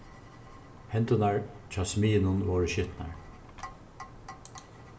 hendurnar hjá smiðinum vóru skitnar